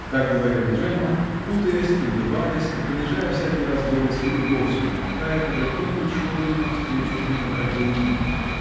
Так говорила Джемма, путаясь и улыбаясь, и понижая всякий раз голос или вовсе умолкая, когда кто-нибудь шел ей навстречу или проходил мимо.